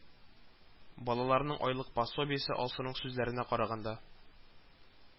Балаларның айлык пособиесе, Алсуның сүзләренә караганда